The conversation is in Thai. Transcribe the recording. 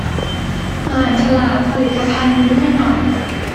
อ่านฉลากผลิตภัณฑ์นี้ให้หน่อย